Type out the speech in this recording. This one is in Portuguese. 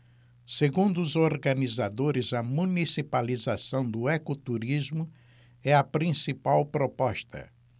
segundo os organizadores a municipalização do ecoturismo é a principal proposta